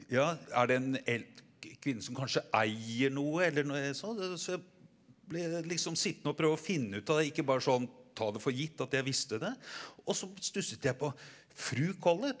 ja er det en kvinne som kanskje eier noe eller noe så jeg ble liksom sittende å prøve å finne ut av det ikke bare sånn ta det for gitt at jeg visste det og så stusset jeg på fru Collett.